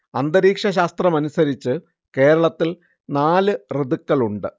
അന്തരീക്ഷ ശാസ്ത്രമനുസരിച്ച് കേരളത്തിൽ നാല് ഋതുക്കളുണ്ട്